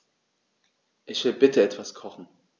Ich will bitte etwas kochen.